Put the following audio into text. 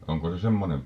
onko se semmoinen